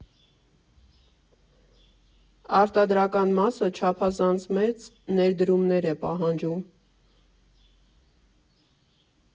Արտադրական մասը չափազանց մեծ ներդրումներ է պահանջում։